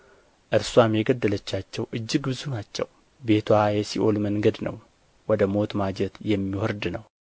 እርስዋም የገደለቻቸው እጅግ ብዙ ናቸው ቤትዋ የሲኦል መንገድ ነው ወደ ሞት ማጀት የሚወርድ ነው